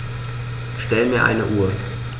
Stell mir eine Uhr.